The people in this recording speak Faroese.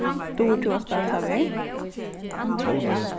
dugir tú at spæla klaver